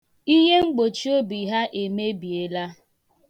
Ihemgbochiobi ha emebiela